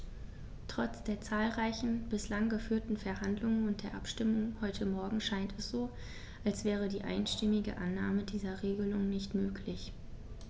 Trotz der zahlreichen bislang geführten Verhandlungen und der Abstimmung heute Morgen scheint es so, als wäre die einstimmige Annahme dieser Regelung nicht möglich.